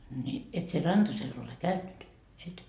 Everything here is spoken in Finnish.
niin et sinä Rantasella ole käynyt et